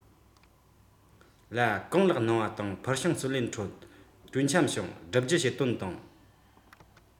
ལ གང ལེགས གནང བ དང ཕུལ བྱུང བརྩོན ལེན ཁྲོད གྲོས འཆམ བྱུང བསྒྲུབ རྒྱུ བྱེད དོན དང